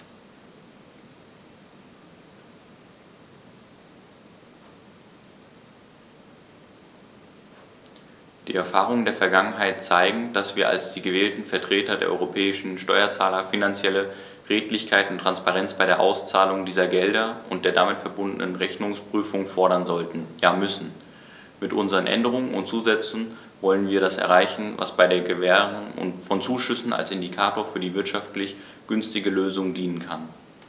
Die Erfahrungen der Vergangenheit zeigen, dass wir als die gewählten Vertreter der europäischen Steuerzahler finanzielle Redlichkeit und Transparenz bei der Auszahlung dieser Gelder und der damit verbundenen Rechnungsprüfung fordern sollten, ja müssen. Mit unseren Änderungen und Zusätzen wollen wir das erreichen, was bei der Gewährung von Zuschüssen als Indikator für die wirtschaftlich günstigste Lösung dienen kann.